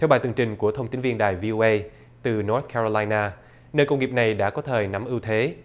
theo bài tường trình của thông tín viên đài vi ô uây từ nót cai rô lai na nền công nghiệp này đã có thời nắm ưu thế